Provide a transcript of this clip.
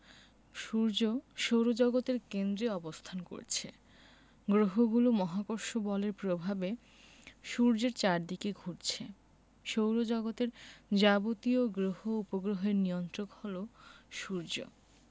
সূর্য সৌরজগতের কেন্দ্রে অবস্থান করছে গ্রহগুলো মহাকর্ষ বলের প্রভাবে সূর্যের চারদিকে ঘুরছে সৌরজগতের যাবতীয় গ্রহ উপগ্রহের নিয়ন্ত্রক হলো সূর্য